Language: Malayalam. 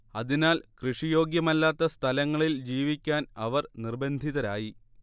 അതിനാൽ കൃഷി യോഗ്യമല്ലാത്ത സ്ഥലങ്ങളിൽ ജീവിക്കാൻ അവർ നിർബന്ധിതരായി